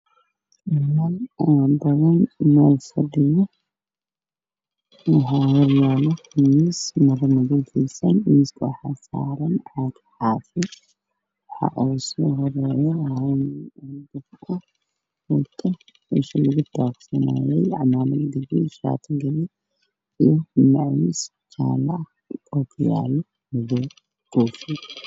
Halkaan waxaa ka muuqdo niman odayaal ah oo koofiyado wato ninka ugu horeeyo waxa uu qabaa shaati buluug ah miiskana waxaa u saaran biyo caafi ah